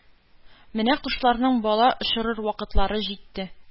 Менә кошларның бала очырыр вакытлары җитте.